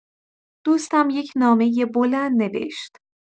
دوستم یک نامۀ بلند نوشت.